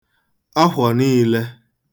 ahwọ̀ niīlē